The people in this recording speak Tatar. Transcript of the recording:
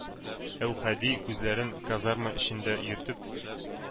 Әүхәди, күзләрен казарма эчендә йөртеп: